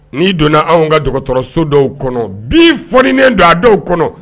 N'i donna anw ka dɔgɔtɔrɔso dɔw kɔnɔ bi fnen don' a dɔw kɔnɔ